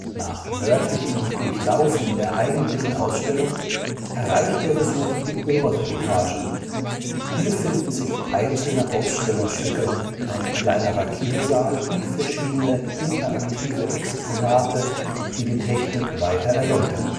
Nach wörtlichem „ Durchlaufen “der eigentlichen Ausstellung erreicht der Besucher die obere Etage; hier finden sich einzelne Ausstellungsstücke, ein kleinerer Kinosaal und verschiedene interaktive Exponate, die die Technik weiter erläutern